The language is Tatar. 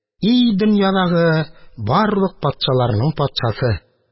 И дөньядагы барлык патшаларның патшасы!